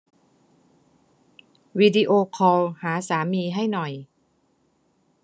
วิดีโอคอลหาสามีให้หน่อย